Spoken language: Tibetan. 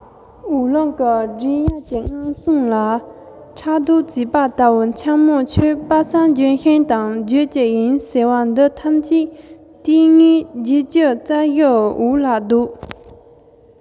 འོག རླུང གི སྒྲས དབྱར གྱི རྔ བསངས ལ ཕྲག དོག བྱེད པ ལྟ བུའི འཁྱམས མོ ཁྱོད དཔག བསམ ལྗོན ཤིང དང རྒྱུད གཅིག ཡིན ཟེར བ འདི ཐམས ཅད ལྟས ངན བརྒྱད ཅུ རྩ བཞིའི འོག ལ བཟློག